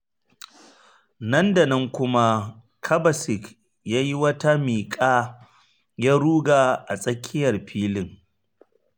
Nan da nan kuma Kovacic ya yi wata miƙawa ya ruga a tsakiyar filin.